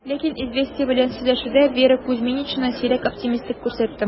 Ләкин "Известия" белән сөйләшүдә Вера Кузьминична сирәк оптимистлык күрсәтте: